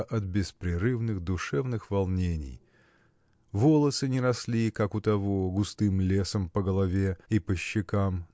а от беспрерывных душевных волнений волосы не росли как у того густым лесом по голове и по щекам